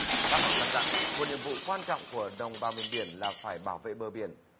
bác còn căn dặn một nhiệm vụ quan trọng của đồng bào miền biển là phải bảo vệ bờ biển